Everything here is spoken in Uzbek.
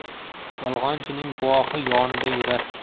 yolg'onchining guvohi yonida yurar